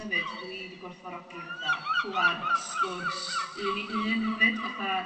hefyd dw i 'di gwerthfawrogi fatha pŵar sgwrs un i un hefyd fatha